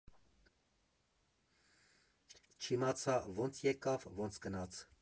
Չիմացա՝ ոնց եկավ, ոնց գնաց։